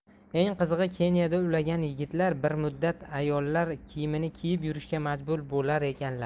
eng qizig'i keniyada ulagan yigitlar bir muddat ayollar kiyimini kiyib yurishga majbur bo'lar ekanlar